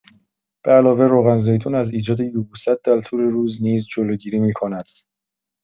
بعلاوه روغن‌زیتون از ایجاد یبوست در طول روز نیز جلوگیری می‌کند!